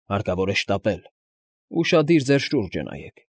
Հարկավոր է շտապել։ Ուշադիր ձեր շուրջը նայեք։